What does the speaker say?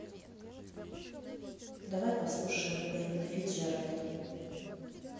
давай послушаем эллу фицджеральд